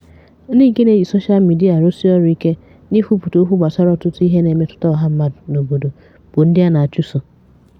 Ndị nke na-eji sosha midia arụsị ọrụ ike n'ikwupụta okwu gbasara ọtụtụ ihe na-emetụta ọha mmadụ n'obodo bụ ndị a na-achụso.